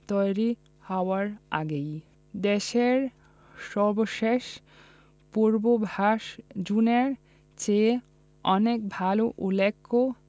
তৈরি হওয়ার আগেই বিশ্বের সর্বশেষ পূর্বাভাস জুনের চেয়ে অনেক ভালো উল্লেখ